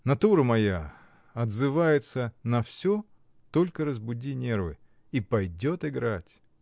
Натура моя отзывается на всё, только разбуди нервы — и пойдет играть!.